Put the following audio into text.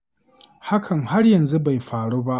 Hakan har yanzu bai faru ba.